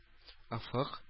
Офык